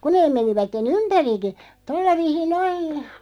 kun ne menivät ympärikin tuolla viisiin noin